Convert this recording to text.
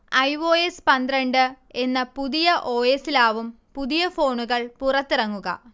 I. O. S പന്ത്രണ്ട് എന്ന പുതിയ ഓ. എസി ലാവും പുതിയ ഫോണുകൾ പുറത്തിറങ്ങുക